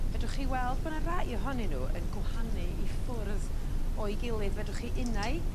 fedrwch chi weld bo' 'na rai ohonyn n'w yn gwahanu i ffwrdd o'i gilydd fedrwch chi unau